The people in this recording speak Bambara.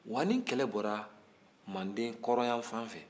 wa ni kelɛ bɔra manden kɔrɔyanfan fɛ